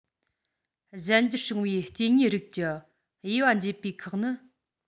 གཞན འགྱུར བྱུང བའི སྐྱེ དངོས རིགས ཀྱི དབྱེ བ འབྱེད པའི དཀའ ཁག ནི